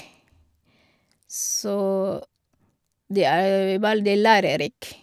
Så det er veldig lærerik.